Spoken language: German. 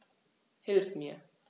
Hilf mir!